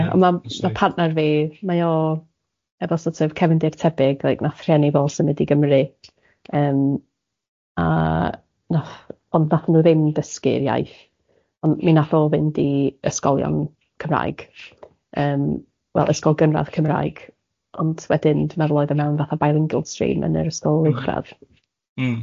Ond ma' ma' partner fi mae o efo sort of cefndir tebyg like nath rhieni fo symud i Gymru yym, a nath ond nath nhw ddim dysgu'r iaith ond mi nath o fynd i ysgolion Cymraeg yym wel ysgol gynradd Cymraeg ond wedyn dwi meddwl oedd e mewn fatha bilingual stream yn yr ysgol uwchradd... Mm.